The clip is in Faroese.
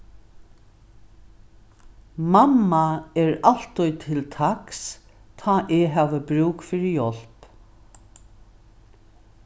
mamma er altíð til taks tá eg havi brúk fyri hjálp